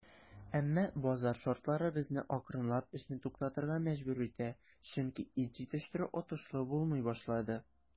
Әмма базар шартлары безне акрынлап эшне туктатырга мәҗбүр итә, чөнки ит җитештерү отышлы булмый башлады.